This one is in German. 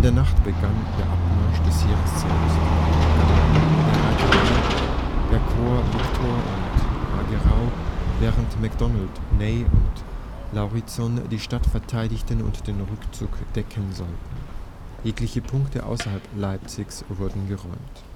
Nacht begann der Abmarsch des Heeres selbst, der Garden, der Reiterei, der Korps Victor und Augereau, während MacDonald, Ney und Lauriston die Stadt verteidigen und den Rückzug decken sollten; jegliche Punkte außerhalb Leipzigs wurden geräumt